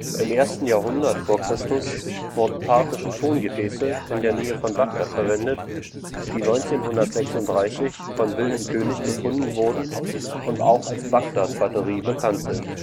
Im 1. Jahrhundert v. Chr. wurden parthische Tongefäße in der Nähe von Bagdad verwendet, die 1936 von Wilhelm König gefunden wurden und auch als Bagdad-Batterie bekannt sind